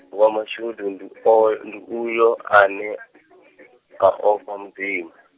wa mashudu ndi o, ndi uyo ane, a ofha Mudzimu.